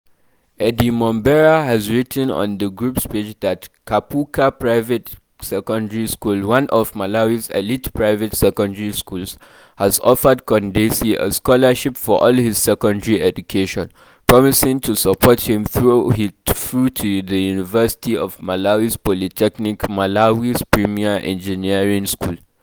Eddie Mombera has written on the group's page that Kaphuka Private Secondary School, one of Malawi's elite private secondary schools, has offered Kondesi “a scholarship for all his secondary education,” promising to support him through to the University of Malawi's Polytechnic, Malawi's premier engineering school.